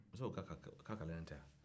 muso ko k'a ka lajɛ tan